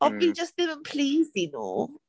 Ond fi jyst ddim yn pleased i nhw.